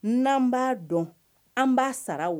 N'an b'a dɔn an b'a sara